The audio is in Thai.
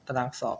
ตารางสอบ